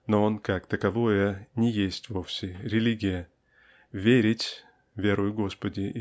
но он как таковое не есть вовсе религия. Верить ("верую Господи